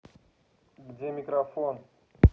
где микрофон